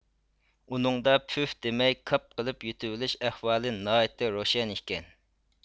ئۇنىڭدا پۈف دېمەي كاپ قىلىپ يۇتۇۋېلىش ئەھۋالى ناھايىتى روشەن ئىكەن